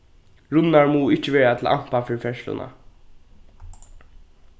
runnar mugu ikki vera til ampa fyri ferðsluna